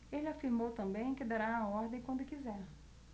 ele afirmou também que dará a ordem quando quiser